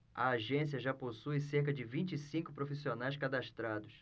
a agência já possui cerca de vinte e cinco profissionais cadastrados